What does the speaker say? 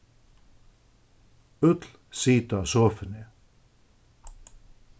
øll sita á sofuni